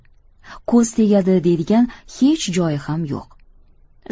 ko'z tegadi deydigan hech joyi ham yo'q